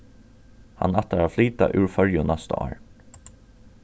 hann ætlar at flyta úr føroyum næsta ár